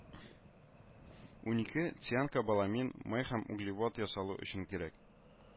Унике цианкобаламин май һәм углевод ясалу өчен кирәк